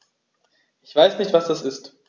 Ich weiß nicht, was das ist.